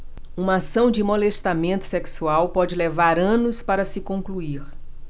uma ação de molestamento sexual pode levar anos para se concluir